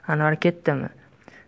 anvar ketdimi